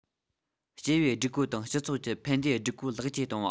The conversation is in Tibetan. སྤྱི པའི སྒྲིག བཀོད དང སྤྱི ཚོགས ཀྱི ཕན བདེའི སྒྲིག བཀོད ལེགས བཅོས གཏོང བ